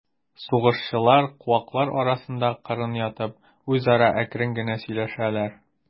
Сугышчылар, куаклар арасында кырын ятып, үзара әкрен генә сөйләшәләр.